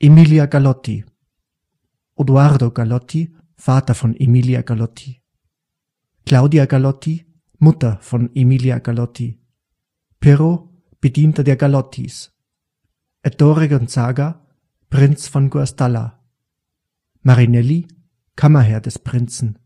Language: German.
Emilia Galotti Odoardo Galotti, Vater von Emilia Galotti Claudia Galotti, Mutter von Emilia Galotti Pirro, Bedienter der Galottis Hettore Gonzaga, Prinz von Guastalla Marinelli, Kammerherr des Prinzen